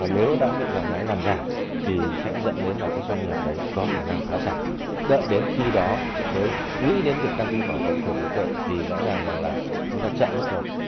và nếu đã bị làm nhái làm giả thì sẽ dẫn đến là cái doanh nghiệp đấy có khả năng phá sản đợi đến khi đó mới nghĩ đến việc đăng ký bảo hộ quyền trí tuệ thì rõ ràng rằng là chúng ta chậm mất rồi